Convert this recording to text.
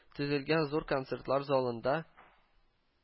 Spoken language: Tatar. Төзелгән зур концертлар залында